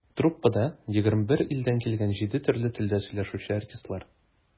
Труппада - 21 илдән килгән, җиде төрле телдә сөйләшүче артистлар.